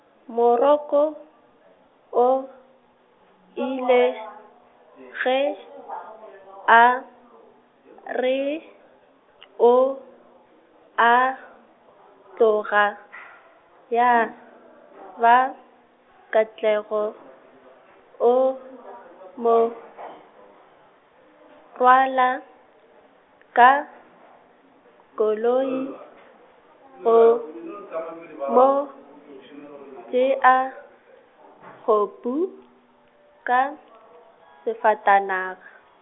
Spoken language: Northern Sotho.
Moroko, o, ile, ge, a, re, o, a, tloga , ya, ba, Katlego, o, mo , rwala, ka, koloi, go, mo, tšea, kgopu, ka, sefatanaga.